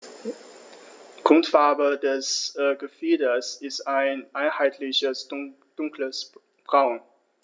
Grundfarbe des Gefieders ist ein einheitliches dunkles Braun.